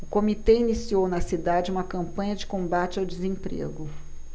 o comitê iniciou na cidade uma campanha de combate ao desemprego